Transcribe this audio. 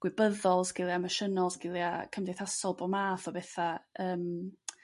gwybyddol sgila' emosiynol sgilia' cymdeithasol bob math o betha' yrm